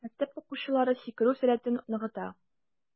Мәктәп укучылары сикерү сәләтен ныгыта.